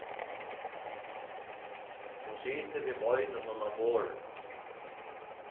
hon situr við beinunum á borðinum